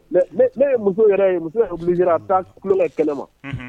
Ne muso yɛrɛ muso misi a da kukɛ kɛnɛ ma